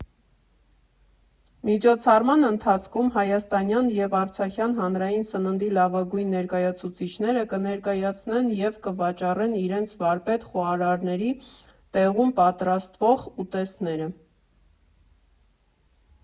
Միջոցառման ընթացքում հայաստանյան և արցախյան հանրային սննդի լավագույն ներկայացուցիչները կներկայացնեն և կվաճառեն իրենց վարպետ֊խոհարարների՝ տեղում պատրաստվող ուտեստները։